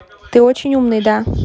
ты очень умный да